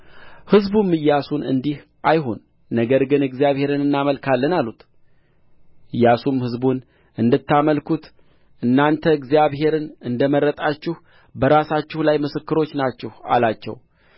ሕዝቡም ኢያሱን እንዲህ አይሁን ነገር ግን እግዚአብሔርን እናመልካለን አሉት ኢያሱም ሕዝቡን እንድታመልኩት እናንተ እግዚአብሔርን እንደ መረጣችሁ በራሳችሁ ላይ ምስክሮች ናችሁ አላቸው